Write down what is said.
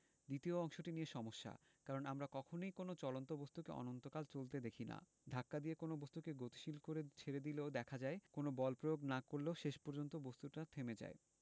দ্বিতীয় অংশটি নিয়ে সমস্যা কারণ আমরা কখনোই কোনো চলন্ত বস্তুকে অনন্তকাল চলতে দেখি না ধাক্কা দিয়ে কোনো বস্তুকে গতিশীল করে ছেড়ে দিলেও দেখা যায় কোনো বল প্রয়োগ না করলেও শেষ পর্যন্ত বস্তুটা থেমে যায়